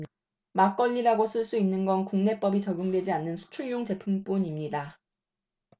막걸리라고 쓸 수 있는 건 국내법이 적용되지 않는 수출용 제품뿐 입니다